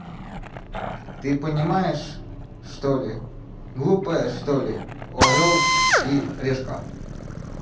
ты понимаешь что ли глупая что ли орел и решка